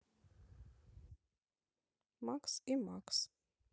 макс и макс